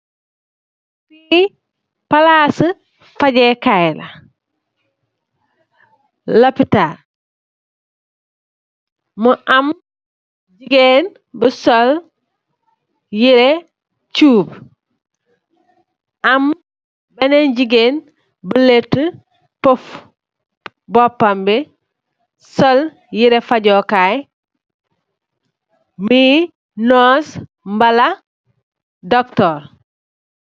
Li palaasi fajekaay la lopitan mu am jigeen bu sol yere chuub am beneen jigeen bu leta pof boppam bi sol yere fajokaay mii nooss mbala doktor.